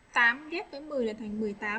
biết cái là thành